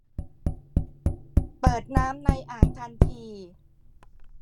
เปิดน้ำในอ่างทันที